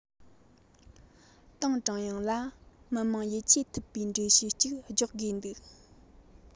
ཏང ཀྲུང དབྱང ལ མི རྣམས ཡིད ཆེས ཐུབ པའི འགྲེལ བཤད ཅིག རྒྱག དགོས འདུག